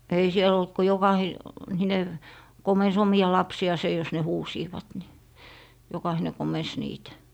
ei siellä ollut kuin - jokainen komensi omia lapsiansa jos ne huusivat niin jokainen komensi niitä